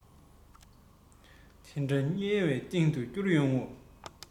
དེ འདྲ དམྱལ བའི གཏིང དུ བསྐྱུར ཡོང ངོ